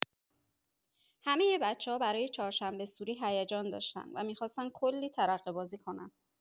همۀ بچه‌ها برای چهارشنبه‌سوری هیجان داشتن و می‌خواستن کلی ترقه‌بازی کنن.